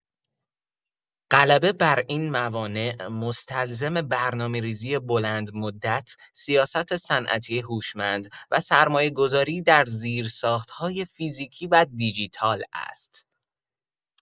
غلبه بر این موانع مستلزم برنامه‌ریزی بلندمدت، سیاست صنعتی هوشمند و سرمایه‌گذاری در زیرساخت‌های فیزیکی و دیجیتال است.